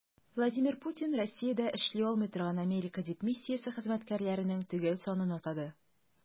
Владимир Путин Россиядә эшли алмый торган Америка дипмиссиясе хезмәткәрләренең төгәл санын атады.